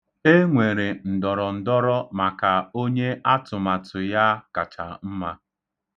E nwere ndọrọndọrọ maka onye atụmatụ ya kacha mma.